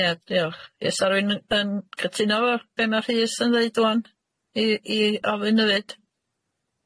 Ie diolch. Ie sa rywun yn cytuno efo be' ma' Rhys yn ddeud ŵan i i ofyn 'efyd?